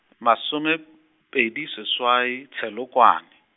masome pedi seswai Tshelokwane.